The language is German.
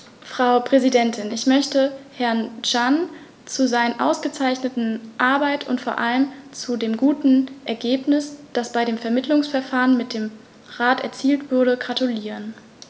Frau Präsidentin, ich möchte Herrn Cancian zu seiner ausgezeichneten Arbeit und vor allem zu dem guten Ergebnis, das bei dem Vermittlungsverfahren mit dem Rat erzielt wurde, gratulieren.